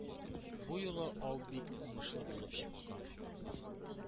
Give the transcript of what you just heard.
Бу юлы ау бик уңышлы булып чыккан.